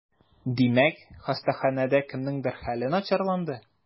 Димәк, хастаханәдә кемнеңдер хәле начарланды?